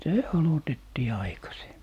se aloitettiin aikaiseen